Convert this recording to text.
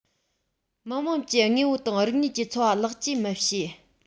མི དམངས ཀྱི དངོས པོ དང རིག གནས ཀྱི འཚོ བ ལེགས བཅོས མི བྱེད